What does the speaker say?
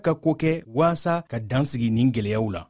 k'a ka ko kɛ walasa ka dan sigi nin gɛlɛyaw la